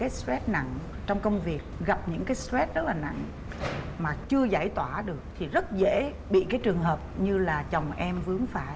cái xờ trét nặng trong công việc gặp những cái xờ trét rất là nặng mà chưa giải tỏa được thì rất dễ bị cái trường hợp như là chồng em vướng phải